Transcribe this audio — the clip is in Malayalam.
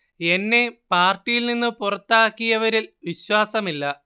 എന്നെ പാർട്ടിയിൽ നിന്ന് പുറത്താക്കിയവരിൽ വിശ്വാസമില്ല